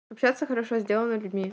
общаться хорошо сделано людьми